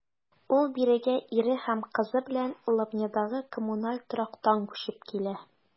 Ул бирегә ире һәм кызы белән Лобнядагы коммуналь торактан күчеп килә.